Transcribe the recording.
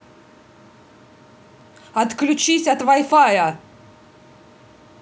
отключись от вай фая